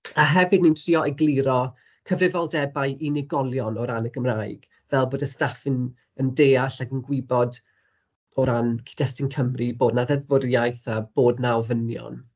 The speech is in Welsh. A hefyd ni'n trio egluro cyfrifoldebau unigolion o ran y Gymraeg, fel bod y staff yn yn deall ac yn gwybod o ran cyd-destun Cymru bod 'na ddeddfwriaeth a bod 'na ofynion.